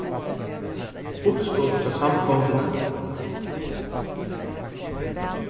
uppskot hjá samgonguni